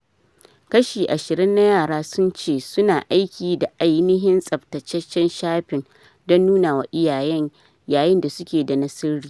Kashi ishirin na yaran sun ce su na aiki da "ainihin" tsaftataccen shafin don nunawa iyaye, yayin da suke da na sirri.